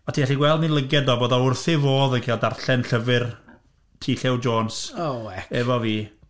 O't ti'n gallu gweld yn ei lygaid o bod o wrth ei fodd yn cael darllen llyfr T Llew Jones... oh heck... efo fi.